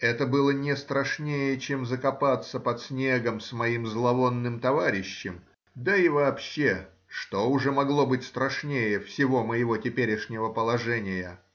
Это было не страшнее, чем закопаться под снегом с моим зловонным товарищем, да и вообще что уже могло быть страшнее всего моего теперешнего положения?